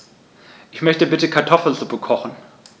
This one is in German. Ich möchte bitte Kartoffelsuppe kochen.